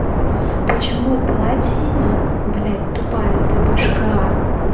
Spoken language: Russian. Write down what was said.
почему платина блядь тупая ты башка